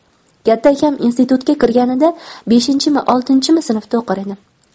katta akam institutga kirganida beshinchimi oltinchimi sinfda o'qir edim